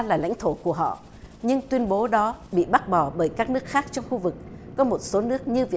là lãnh thổ của họ nhưng tuyên bố đó bị bác bỏ bởi các nước khác trong khu vực có một số nước như